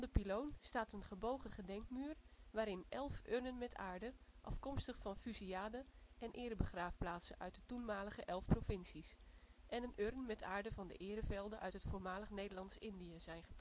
pyloon staat een gebogen gedenkmuur waarin elf urnen met aarde, afkomstig van fusillade - en erebegraafplaatsen uit de toenmalige elf provincies, en een urn met aarde van de erevelden uit het voormalig Nederlands-Indië zijn